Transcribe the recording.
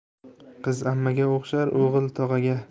qiz ammaga o'xshar o'g'il tog'aga